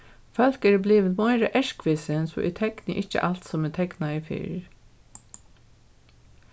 fólk eru blivin meira erkvisin so eg tekni ikki alt sum eg teknaði fyrr